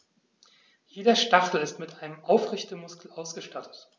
Jeder Stachel ist mit einem Aufrichtemuskel ausgestattet.